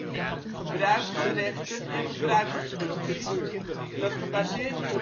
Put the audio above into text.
gebruikersrechten en gebruikersfuncties) dat gebaseerd is